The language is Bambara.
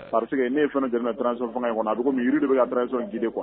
Pa que ne'e ye fana jna tran sɔrɔ fanga in kɔnɔ a y de bɛ ka tran sɔrɔ jeli kɔnɔ